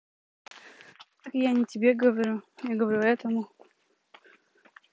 так я не тебе говорю я говорю этому